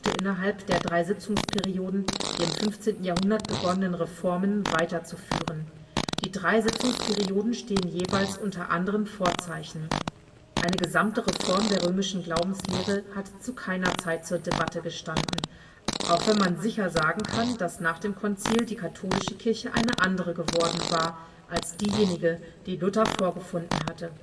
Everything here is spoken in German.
innerhalb der drei Sitzungsperioden, die im 15. Jahrhundert begonnenen Reformen weiter fortzuführen. Die drei Sitzungsperioden stehen jeweils unter anderen Vorzeichen. Eine gesamte Reform der römischen Glaubenslehre hatte zu keiner Zeit zur Debatte gestanden – auch wenn man sicher sagen kann, dass nach dem Konzil die katholische Kirche eine andere geworden war als diejenige, die Luther vorgefunden hatte